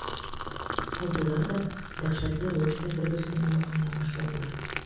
Алдылар да дәһшәтле рәвештә бер-берсенә якыная башладылар.